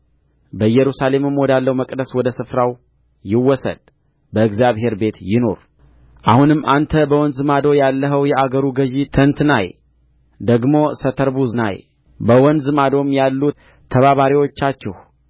በኢየሩሳሌምም ወዳለው መቅደስ ወደ ስፍራው ይወሰድ በእግዚአብሔር ቤት ይኑር አሁንም አንተ በወንዝ ማዶ ያለኸው የአገሩ ገዥ ተንትናይ ደግሞ ሰተርቡዝናይ በወንዝ ማዶም ያሉ ተባባሪዎቻችሁ